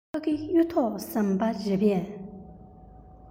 ཕ གི གཡུ ཐོག ཟམ པ རེད པས